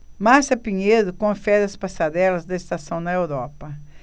márcia pinheiro confere as passarelas da estação na europa